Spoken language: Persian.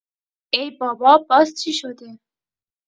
ای بابا باز چی شده!